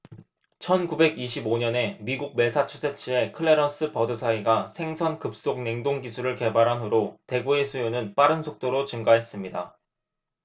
천 구백 이십 오 년에 미국 매사추세츠의 클래런스 버드사이가 생선 급속 냉동 기술을 개발한 후로 대구의 수요는 빠른 속도로 증가했습니다